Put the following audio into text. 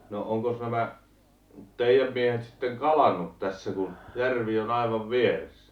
no onkos nämä teidän miehet sitten kalastanut tässä kun järvi on aivan vieressä